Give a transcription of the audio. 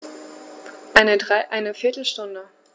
Eine viertel Stunde